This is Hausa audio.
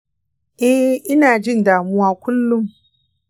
eh, ina jin damuwa kullum